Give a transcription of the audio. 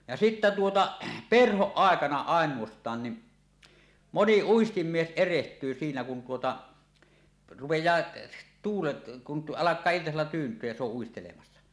ja sitten tuota perhon aikana ainoastaan niin moni uistinmies erehtyy siinä kun tuota rupeaa tuulet kun - alkaa iltasella tyyntyä ja se on uistelemassa